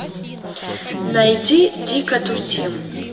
найди дико тусим